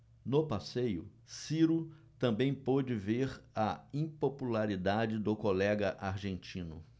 no passeio ciro também pôde ver a impopularidade do colega argentino